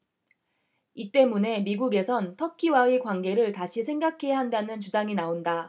이 때문에 미국에선 터키와의 관계를 다시 생각해야 한다는 주장이 나온다